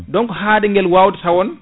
donc haade guel wawde tawan